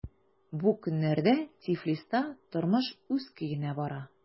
Бу көннәрдә Тифлиста тормыш үз көенә бара.